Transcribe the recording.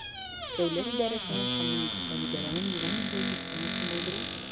Дәүләт идарәсенең һәм муниципаль идарәнең динамикалы системасын булдыру.